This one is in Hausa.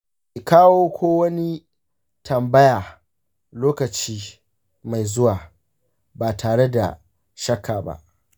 ki kawo ko wani tambaya lokaci mai zuwa ba tare da shakka ba.